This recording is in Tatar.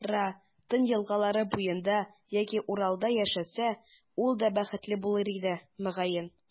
Ра, Тын елгалары буенда яки Уралда яшәсә, ул да бәхетле булыр иде, мөгаен.